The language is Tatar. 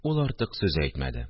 Ул артык сүз әйтмәде